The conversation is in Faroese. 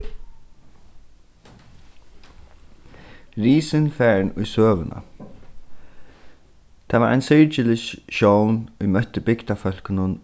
risin farin í søguna tað var ein syrgilig sjón ið møtti bygdarfólkunum